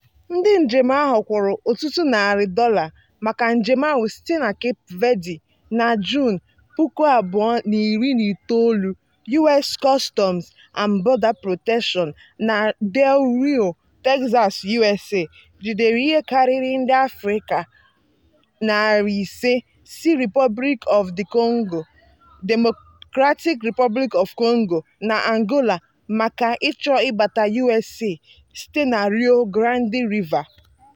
Ndị njem ahụ kwuru "ọtụtụ narị dollar" maka njem ahụ site na Cape Verde. Na Juun 2019, US Customs and Border Protection na Del Rio, Texas, USA, jidere ihe karịrị ndị Afrịka 500 si Republic of the Congo, Democratic Republic of Congo, na Angola, maka ịchọ ịbata USA site na Rio Grande River.